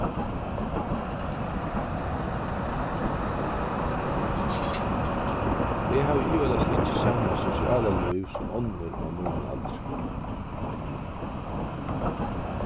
eg havi ivaleyst ikki sama sosiala lív sum onnur á mínum aldri